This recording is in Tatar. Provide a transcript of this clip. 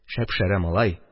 Шәп-шәрә, малай.